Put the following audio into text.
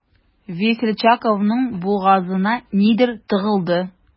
Весельчаковның бугазына нидер тыгылды.